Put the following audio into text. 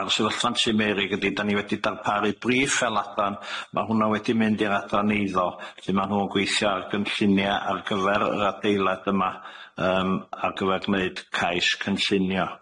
Ar sefyllfa'n Tŷ Meurig ydi dan ni wedi darparu briff fel adran ma' hwnna wedi mynd i'r adran eiddo lle ma' nhw'n gweithio ar gynllunia ar gyfer yr adeilad yma yym ar gyfer gneud cais cynllunio.